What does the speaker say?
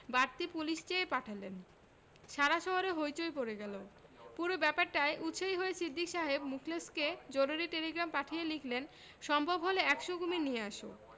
বাড়তি পুলিশ চেয়ে পাঠালেন সারা শহরে হৈ চৈ পড়ে গেল পুরো ব্যাপারটায় উৎসাহী হয়ে সিদ্দিক সাহেব মুখলেসকে জরুরী টেলিগ্রাম পাঠিয়ে লিখলেন সম্ভব হলে একশ কুমীর নিয়ে আসো